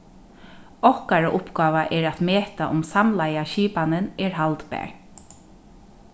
okkara uppgáva er at meta um samlaða skipanin er haldbar